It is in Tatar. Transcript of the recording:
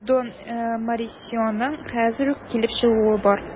Дон Морисионың хәзер үк килеп чыгуы бар.